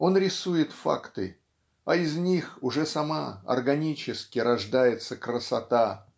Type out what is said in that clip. Он рисует факты, а из них уже сама, органически, рождается красота.